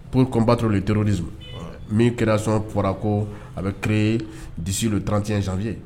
Pour combattre le terrorisme a bɛ créer d'ici le 31 janvier .